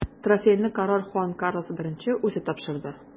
Трофейны король Хуан Карлос I үзе тапшырды.